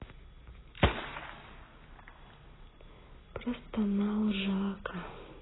простонал жака